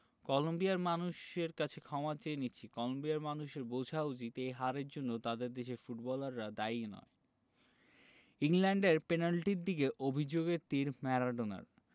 কলম্বিয়ার মানুষের কাছে ক্ষমা চেয়ে নিচ্ছি কলম্বিয়ার মানুষের বোঝা উচিত এই হারের জন্য তাদের দেশের ফুটবলাররা দায়ী নয় ইংল্যান্ডের পেনাল্টির দিকে অভিযোগের তির ম্যারাডোনার